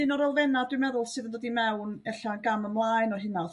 Un o'r elfenna' dwi meddwl sydd yn dod i mewn ella gam ymlaen o hyna wrth